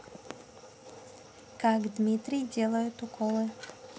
как дмитрий делают уколы